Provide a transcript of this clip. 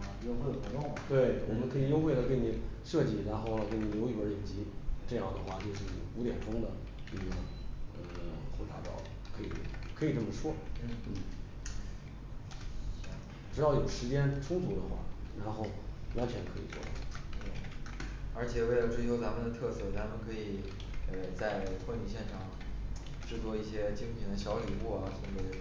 啊优惠活动对我们可以优惠的给你设计然后给你留一本影集这样的话就是古典风的一个嗯 婚纱照可以可以这么说嗯嗯行只要有时间充足的话然后完全可以做而且为了追求咱们的特色咱们可以呃在婚礼现场制作一些精品的小礼物啊什么的